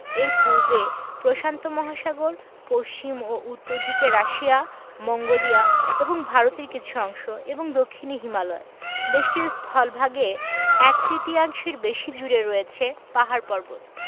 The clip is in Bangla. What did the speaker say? এর পূর্বে প্রশান্ত মহাসাগর পশ্চিম ও উত্তর দিকে রাশিয়া মঙ্গোলিয়া এবং ভারতের কিছু অংশ এবং দক্ষিনে হিমালয় দেশটির স্থলভাগে এক তৃতীয়াংশের বেশি জুড়ে রয়ছে পাহাড় পর্বত